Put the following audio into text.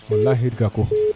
walaxi Gakou